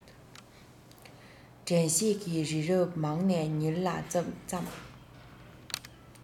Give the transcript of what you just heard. དྲན ཤེས ཀྱི རི རབ རྨང ནས ཉིལ ལ བརྩམས